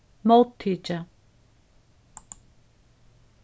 móttikið